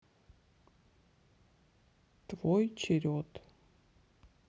твой черед